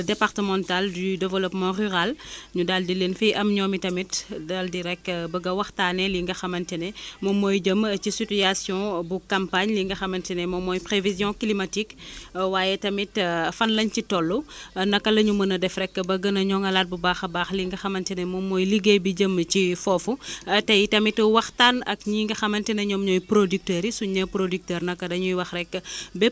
am na solo Maodo tey ci li nga xamante ne monsieur Khoulé wax na ko rek ndax am na jàngat boo xamante ne da nga ko ciy def waaye tamit nga ñëwaat rek ci tey jii ndax am na début ñuy ñuy ji ak fin ñi nga xamante ne dafay am benn période boo xamante dañuy naan nit ñi bu énu jiati na ñu concentré wu ci li nga xamante ni ji nañu ko wala nit ñi mën nañuy ji rek ba ba ba nawet bi jeex